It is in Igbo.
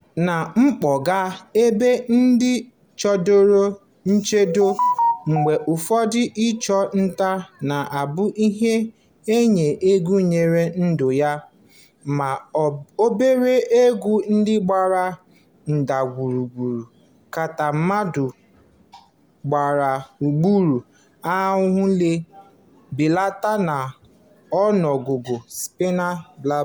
Na mpụga ebe ndị e chedoro echedo, mgbe ụfọdụ ịchụ nta na-abụ ihe iyi egwu nyere ndụ ya, ma obere ugwu ndị gbara Ndagwurugwu Kathmandu gburugburu ahụla mbelata n'ọnụọgụgụ Spiny Babbler.